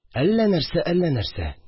Әллә нәрсә, әллә нәрсә